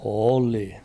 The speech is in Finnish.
oli